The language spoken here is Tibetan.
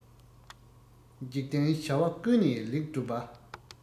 འཇིག རྟེན བྱ བ ཀུན ནས ལེགས བསྒྲུབ པ